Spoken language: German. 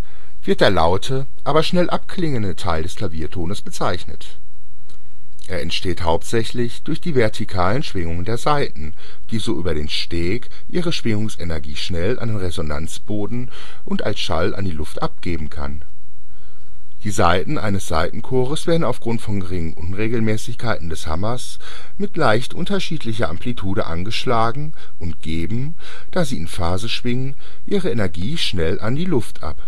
der laute, aber schnell abklingende Teil des Klaviertones bezeichnet. Er entsteht hauptsächlich durch die vertikale Schwingung der Saiten, die so über den Steg ihre Schwingungsenergie schnell an den Resonanzboden und als Schall an die Luft abgeben kann. Die Saiten eines Saitenchors werden aufgrund von geringen Unregelmäßigkeiten des Hammers mit leicht unterschiedlicher Amplitude angeschlagen und geben, da sie in Phase schwingen, ihre Energie schnell an die Luft ab